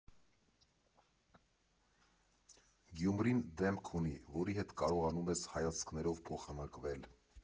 Գյումրին դեմք ունի, որի հետ կարողանում ես հայացքներով փոխանակվել։